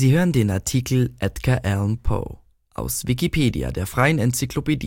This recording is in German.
hören den Artikel Edgar Allan Poe, aus Wikipedia, der freien Enzyklopädie